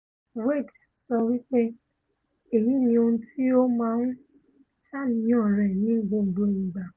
Wade sowí pé ''Èyí ní ohun ti ó ma ńṣàníyàn rẹ̀ ní gbogbo igbà,'̣.